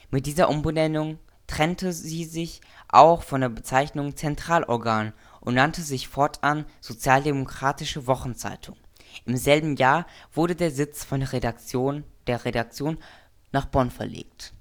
Mit dieser Umbenennung trennte sie sich auch von der Bezeichnung Zentralorgan und nannte sich fortan Sozialdemokratische Wochenzeitung. Im selben Jahr wurde der Sitz der Redaktion nach Bonn verlegt